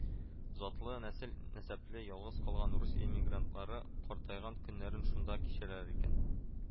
Затлы нәсел-нәсәпле ялгыз калган рус эмигрантлары картайган көннәрен шунда кичерәләр икән